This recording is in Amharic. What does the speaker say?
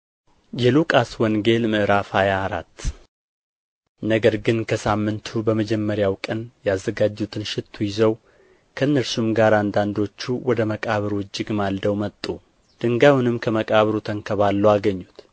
የሉቃስ ወንጌል ምዕራፍ ሃያ አራት ነገር ግን ከሳምንቱ በመጀመሪያው ቀን ያዘጋጁትን ሽቱ ይዘው ከእነርሱም ጋር አንዳንዶቹ ወደ መቃብሩ እጅግ ማልደው መጡ ድንጋዩንም ከመቃብሩ ተንከባሎ አገኙት